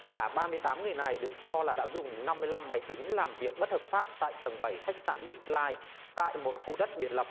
cả ba mươi tám người này được cho là đã dùng năm mươi lăm máy tính làm việc bất hợp pháp tại tầng bảy khách sạn bít lai tại một khu đất biệt lập